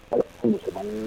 Ala foyi tɛ